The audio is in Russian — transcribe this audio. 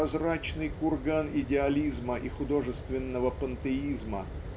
прозрачный курган идеализма и художественного пантеизма